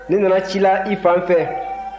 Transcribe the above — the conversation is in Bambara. ne nana ci la i fan fɛ